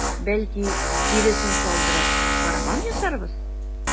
Бәлки, тиресен салдырып, барабан ясарбыз?